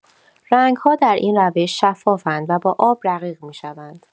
رنگ‌ها در این روش شفاف‌اند و با آب رقیق می‌شوند.